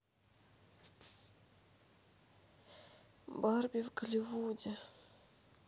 барби в голливуде